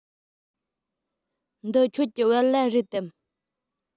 འདི ཁྱོད ཀྱི བལ ལྭ རེད དམ